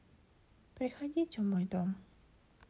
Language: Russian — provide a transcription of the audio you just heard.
приходите в мой дом